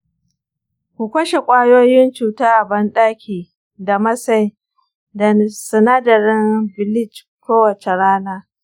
ku kashe ƙwayoyin cuta a banɗaki da masai da sinadarin bleach kowace rana.